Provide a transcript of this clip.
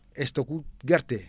stock ku gerte